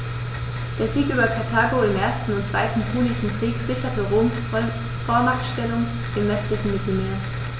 Der Sieg über Karthago im 1. und 2. Punischen Krieg sicherte Roms Vormachtstellung im westlichen Mittelmeer.